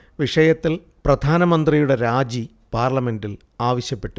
വിഷയത്തിൽ പ്രധാനമന്ത്രിയുടെ രാജി പാർലമെന്റിൽ ആവശ്യപ്പെട്ടിരുന്നു